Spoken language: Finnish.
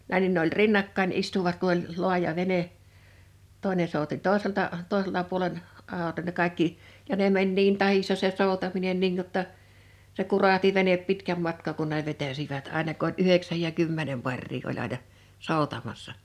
näin niin ne oli rinnakkain istuivat kun oli laaja vene toinen souti toiselta toiselta puolen - ne kaikki ja ne meni niin tahdissa se soutaminen niin jotta se kurahti vene pitkän matkaa kun ne vetäisivät aina kun oli yhdeksän ja kymmenen paria oli aina soutamassa